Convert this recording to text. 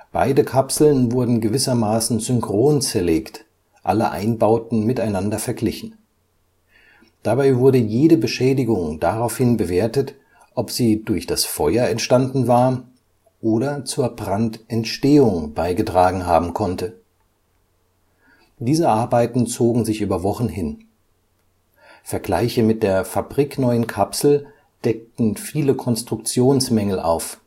Beide Kapseln wurden gewissermaßen synchron zerlegt, alle Einbauten miteinander verglichen. Dabei wurde jede Beschädigung daraufhin bewertet, ob sie durch das Feuer entstanden war oder zur Brandentstehung beigetragen haben konnte. Diese Arbeiten zogen sich über Wochen hin. Vergleiche mit der fabrikneuen Kapsel deckten viele Konstruktionsmängel auf